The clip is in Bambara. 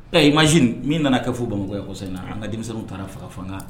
Ɛ i ma z min nana kɛ fo bamakɔ kɔsɔ in na an ka denmisɛnmiw taara faga fangaga